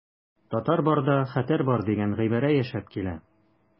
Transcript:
Татар барда хәтәр бар дигән гыйбарә яшәп килә.